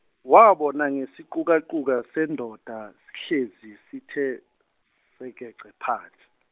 wabona ngesiqukaquka sendoda sihlezi sithe, zekece phans-.